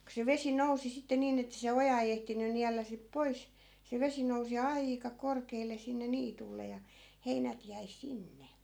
kun se vesi nousi sitten niin että se oja ei ehtinyt niellä sitten pois se vesi nousi aika korkealle sinne niitylle ja heinät jäi sinne